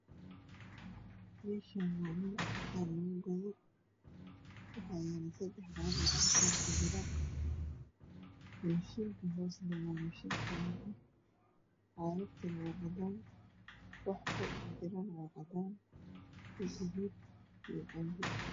Halkani waa mesha cabitanada lagu ibiyo waxaa yala sedax caag oo cabitan ku jiro cagadana waa cadan iyo gaduud